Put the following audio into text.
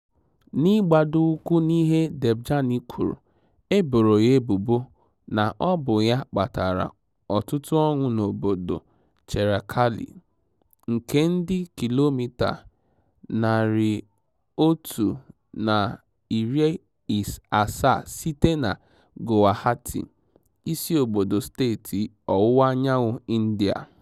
N'igbadoụkwụ n'ihe Debjani kwuru, e boro ya ebubo na ọ bụ ya kpatara ọtụtụ ọnwụ n'obodo Cherekali nke dị kilomita 180 site na Guwahati, isiobodo steeti ọwụwaanyanwụ India.